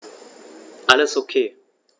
Alles OK.